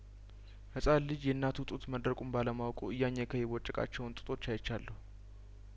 ህጻን ልጅ የእናቱ ጡት መድረ ቁን ባለማወቁ እያኘ ከየቦጨ ቃቸውን ጡቶች አይቻለሁ